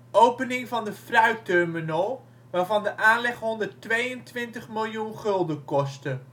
opening van de fruitterminal waarvan de aanleg 122 miljoen gulden kostte